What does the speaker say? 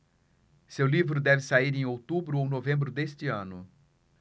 seu livro deve sair em outubro ou novembro deste ano